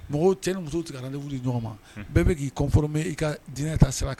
Mɔgɔ, cɛ ni muso tɛ ka rendes vous _ di ɲɔgɔn ma bɛɛ bɛ k'i conformer i ka diinɛ ta sira kan